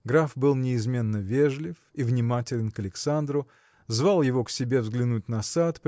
Граф был неизменно вежлив и внимателен к Александру звал его к себе взглянуть на сад